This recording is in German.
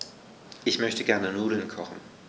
Ich möchte gerne Nudeln kochen.